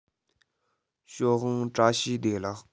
ཞའོ ཝང བཀྲ ཤིས བདེ ལེགས